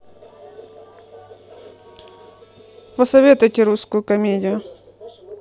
посоветуй русскую комедию